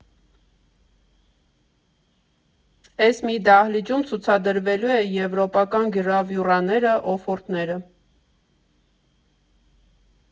Էս մի դահլիճում ցուցադրվելու է եվրոպական գրավյուրաները, օֆորտները։